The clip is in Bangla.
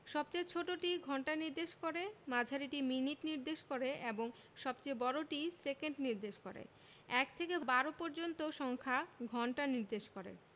সবচেয়ে ছোটটি ঘন্টা নির্দেশ করে মাঝারিটি মিনিট নির্দেশ করে এবং সবচেয়ে বড়টি সেকেন্ড নির্দেশ করে ১ থেকে ১২ পর্যন্ত সংখ্যা ঘন্টা নির্দেশ করে